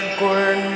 đôi khi